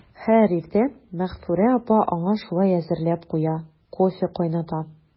Һәр иртә Мәгъфүрә апа аңа шулай әзерләп куя, кофе кайната.